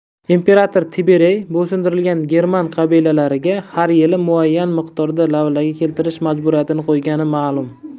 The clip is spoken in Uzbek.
imperator tiberiy bo'ysundirilgan german qabilalariga har yili muayyan miqdorda lavlagi keltirish majburiyatini qo'ygani ma'lum